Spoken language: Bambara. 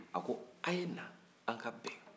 a ko a ye na an ka bɛn